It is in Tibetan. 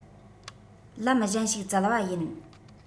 ལམ གཞན ཞིག བཙལ བ ཡིན